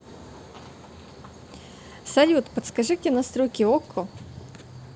салют подскажи где настройки okko